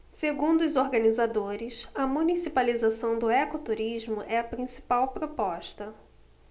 segundo os organizadores a municipalização do ecoturismo é a principal proposta